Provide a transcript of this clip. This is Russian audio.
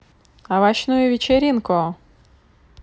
овощную вечеринку